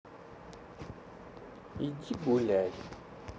иди гуляй